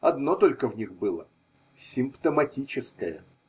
Одно только в них было: симптоматическое.